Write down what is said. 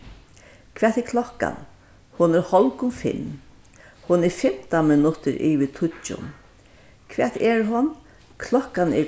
hvat er klokkan hon er hálvgum fimm hon er fimtan minuttir yvir tíggju hvat er hon klokkan er